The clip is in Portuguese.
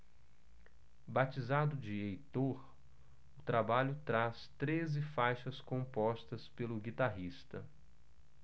batizado de heitor o trabalho traz treze faixas compostas pelo guitarrista